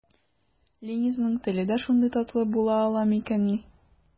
Ленизаның теле дә шундый татлы була ала микәнни?